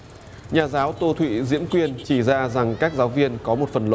nhà giáo tô thụy diễm quyên chỉ ra rằng các giáo viên có một phần lỗi